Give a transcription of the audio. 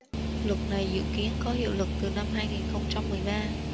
luật này dự kiến có hiệu lực từ năm hai nghìn không trăm mười ba